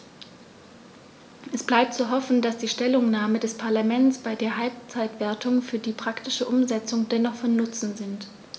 Es bleibt zu hoffen, dass die Stellungnahmen des Parlaments bei der Halbzeitbewertung und für die praktische Umsetzung dennoch von Nutzen sind.